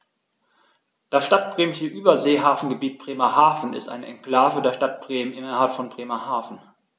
Das Stadtbremische Überseehafengebiet Bremerhaven ist eine Exklave der Stadt Bremen innerhalb von Bremerhaven.